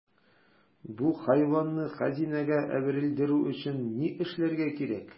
Бу хайванны хәзинәгә әверелдерү өчен ни эшләргә кирәк?